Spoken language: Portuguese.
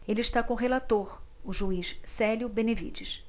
ele está com o relator o juiz célio benevides